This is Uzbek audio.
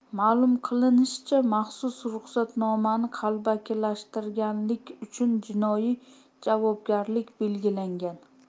ma'lum qilinishicha maxsus ruxsatnomani qalbakilashtirganlik uchun jinoiy javobgarlik belgilangan